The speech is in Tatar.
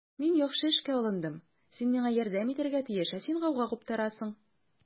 Мин яхшы эшкә алындым, син миңа ярдәм итәргә тиеш, ә син гауга куптарасың.